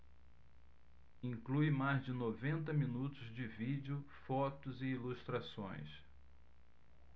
inclui mais de noventa minutos de vídeo fotos e ilustrações